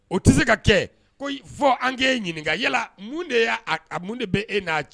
O tɛ se ka kɛ ko fɔ an'e ɲininka yalala mun de y'a mun de bɛ e'a cɛ